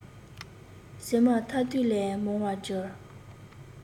ཟེགས མ ཐལ རྡུལ ལས མང བར གྱུར